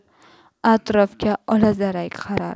atrofga olazarak qarar